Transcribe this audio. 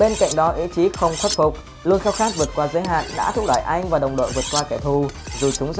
bên cạnh đó ý chí không khuất phục luôn khao khát vượt qua giới hạn đã thúc đẩy anh và đồng đội vượt qua kẻ thù dù chúng rất mạnh